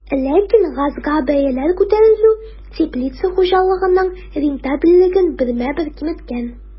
Ләкин газга бәяләр күтәрелү теплица хуҗалыгының рентабельлеген бермә-бер киметкән.